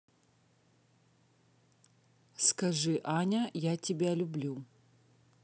скажи аня я тебя люблю